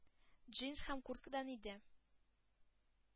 Джинс һәм курткадан иде.